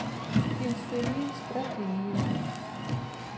инсулин с протеином